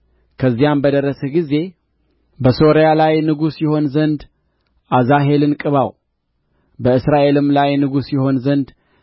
ከዚያም በደረስህ ጊዜ በሶርያ ላይ ንጉሥ ይሆን ዘንድ አዛሄልን ቅባው በእስራኤልም ላይ ንጉሥ ይሆን ዘንድ